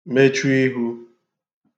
mechu ihu